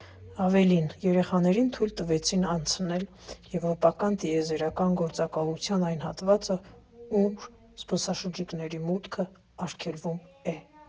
Ավելին՝ երեխաներին թույլ տվեցին այցելել Եվրոպական տիեզերական գործակալության այն հատվածը, ուր զբոսաշրջիկների մուտքը արգելվում է.